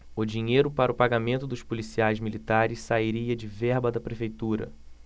o dinheiro para pagamento dos policiais militares sairia de verba da prefeitura